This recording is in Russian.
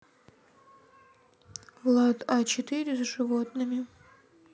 влад а четыре с животными